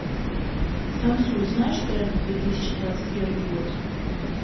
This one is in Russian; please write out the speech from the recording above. танцуй знаешь тренды две тысячи двадцать первый год